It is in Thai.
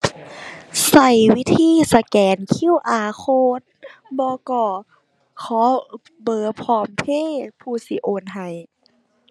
ใช้วิธีสแกน QR code บ่ก็ขอเบอร์ PromptPay ผู้สิโอนให้